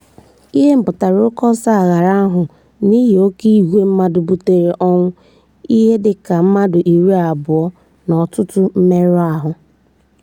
Ihe mpụtara oke ọsọ aghara ahụ n'ihi oke ìgwe mmadụ butere ọnwụ ihe dị ka mmadụ 20 na ọtụtụ mmerụ ahụ.